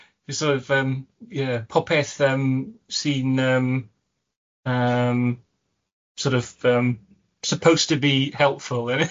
It's sor' of yym yeah...Popeth yym sy'n yym yym, sor' of yym, supposed to be helpful